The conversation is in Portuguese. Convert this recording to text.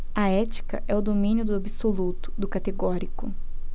a ética é o domínio do absoluto do categórico